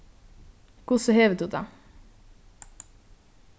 hvussu hevur tú tað